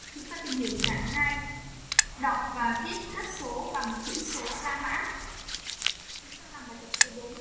chúng ta tìm hiểu giải hay đọc và viết các số bằng chữ số la mã chúng ta làm bài tập số